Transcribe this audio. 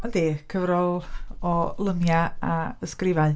Yndi, cyfrol o luniau a ysgrifau.